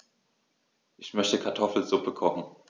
Ich möchte Kartoffelsuppe kochen.